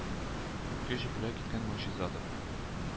Көч бүләк иткән могҗизадыр